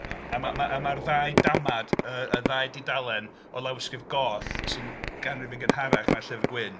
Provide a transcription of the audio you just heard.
A mae... a mae'r ddau damaid... yy y ddau dudalen o lawysgrif goll sy'n ganrif yn gynharach na'r Llyfr Gwyn.